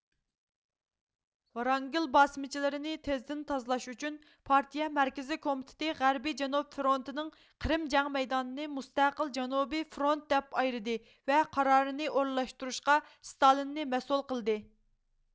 ۋرانگېل باسمىچىلىرىنى تېزدىن تازىلاش ئۈچۈن پارتىيە مەركىزىي كومىتېتى غەربىي جەنۇب فرونتىنىڭ قىرىم جەڭ مەيدانىنى مۇستەقىل جەنۇبىي فرونىت دەپ ئايرىدى ۋە قارارنى ئورۇنلاشتۇرۇشقا ستالىننى مەسئۇل قىلدى